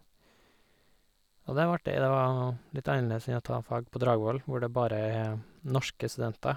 Og det var artig, det var litt annerledes enn å ta fag på Dragvoll hvor det bare er norske studenter.